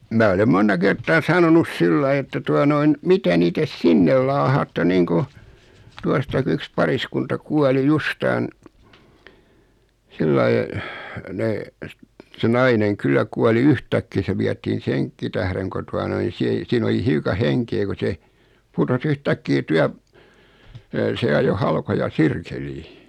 minä olen monta kertaa sanonut sillä lailla että tuota noin mitä niitä sinne laahaatte niin kuin tuostakin yksi pariskunta kuoli justiin sillä lailla ne se nainen kyllä kuoli yhtäkkiä se vietiin senkin tähden kun tuota noin niin - siinä oli hiukan henkeä kun se putosi yhtäkkiä - se ajoi halkoja sirkkeliin